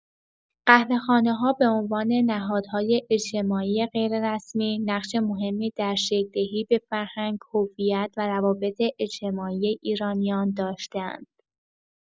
قهوه‌خانه‌ها به‌عنوان نهادهای اجتماعی غیررسمی، نقش مهمی در شکل‌دهی به فرهنگ، هویت و روابط اجتماعی ایرانیان داشته‌اند.